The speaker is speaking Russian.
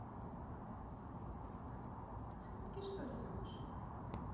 шутки что ли любишь